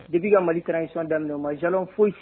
De bbii ka mali kalansic daminɛ ma jan foyisi